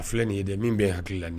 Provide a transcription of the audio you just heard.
A filɛ nin ye dɛ min bɛn hakili la